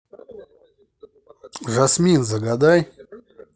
жасмин загадай